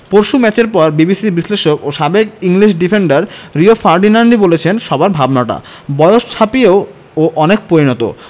পরশু ম্যাচের পর বিবিসির বিশ্লেষক ও সাবেক ইংলিশ ডিফেন্ডার রিও ফার্ডিনান্ডই বলেছেন সবার ভাবনাটা বয়স ছাপিয়েও ও অনেক পরিণত